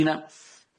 Gina.